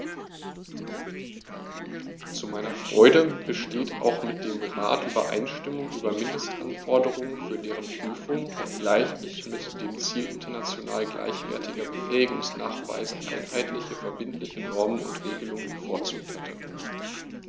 Zu meiner Freude besteht auch mit dem Rat Übereinstimmung über Mindestanforderungen für deren Prüfung, obgleich ich mit dem Ziel international gleichwertiger Befähigungsnachweise einheitliche verbindliche Normen und Regelungen bevorzugt hätte.